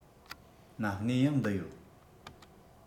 མ གནས ཡང འདི ཡོད